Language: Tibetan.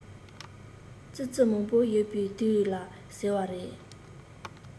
ཙི ཙི མང པོ ཡོད པའི དུས ལ ཟེར བ རེད